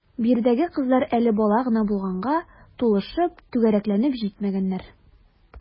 Биредәге кызлар әле бала гына булганга, тулышып, түгәрәкләнеп җитмәгәннәр.